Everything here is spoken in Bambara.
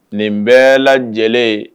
Nin bɛɛ lajɛlen